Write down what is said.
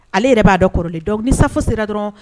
Ale yɛrɛ b'a dɔn kɔrɔli dɔn nifo sera dɔrɔn